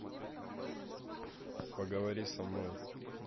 поговори со мной